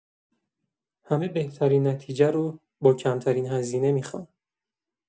همه بهترین نتیجه رو با کمترین هزینه می‌خوان.